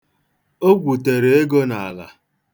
O gwutere ego n'ala.